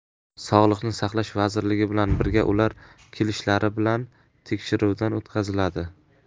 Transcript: sog'liqni saqlash vazirligi bilan birga ular kelishlari bilan tekshiruvdan o'tkaziladi